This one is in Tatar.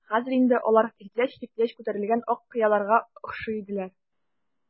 Хәзер инде алар киртләч-киртләч күтәрелгән ак кыяларга охшый иделәр.